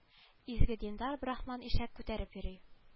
Изге диндар брахман ишәк күтәреп йөри